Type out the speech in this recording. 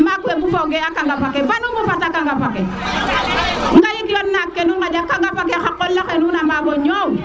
maak we mbufo ge xa kanga fa ke mbanu mbufata kangafa ke ngayik yo naake nu ŋanja kangafa ke xa qola xe nuun na mbago ñoow